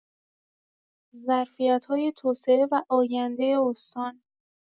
ظرفیت‌های توسعه و آینده استان